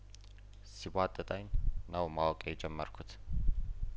ሲቧጥጠኝ ነው ማወቅ የጀመርኩት